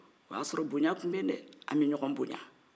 o y a sɔrɔ bonya tun bɛ yen an tun bɛ ɲɔgɔ bonya